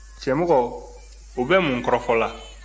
cɛmɔgɔ u bɛ mun kɔrɔfɔ la